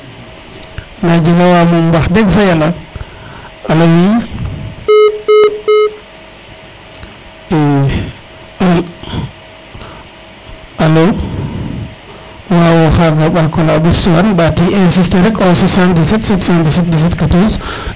nda a jega wa moom wax deg fa yala alo oui i a alo waaw o xaga o mbako la ɓostu waan mbati insiter rek au 777171714